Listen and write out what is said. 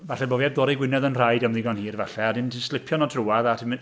Falle bo' fi heb dorri gwinedd y'n nhraed, am ddigon hir falle, a wedyn slipio nhw trwadd, a ti'n mynd...